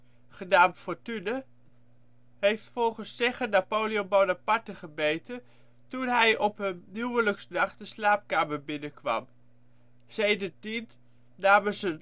genaamd " Fortune ", heeft volgens zeggen Napoleon Bonaparte gebeten toen hij op hun huwelijksnacht de slaapkamer binnenkwam. Sedertien namen ze